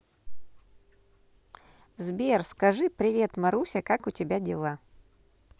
сбер скажи привет маруся как у тебя дела